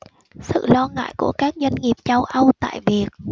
sự lo ngại của các doanh nghiệp châu âu tại việt